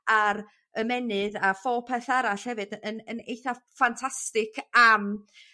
a'r ymennydd a phob peth arall hefyd yn yn eitha ffantastig am